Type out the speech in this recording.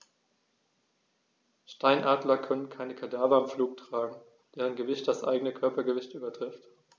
Steinadler können keine Kadaver im Flug tragen, deren Gewicht das eigene Körpergewicht übertrifft.